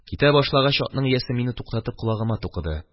Китә башлагач, атның иясе, мине туктатып, колагыма тукыды: